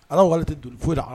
Ala' tɛ don foyi la